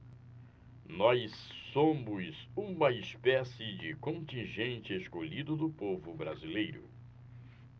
nós somos uma espécie de contingente escolhido do povo brasileiro